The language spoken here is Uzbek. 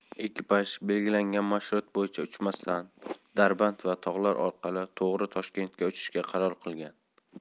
ekipaj belgilangan marshrut bo'yicha uchmasdan darband va tog'lar orqali to'g'ri toshkentga uchishga qaror qilgan